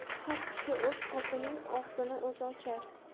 har kishi o'z qopining og'zini o'zi ochar